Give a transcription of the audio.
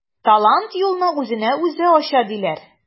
Талант юлны үзенә үзе ача диләр.